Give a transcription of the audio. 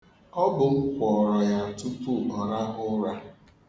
Ọ bụ m kwọrọ ya tupu ọ rahụ ụra.